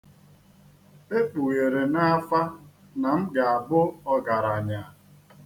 E kpughere n'afa na m ga-abụ ọgaranya.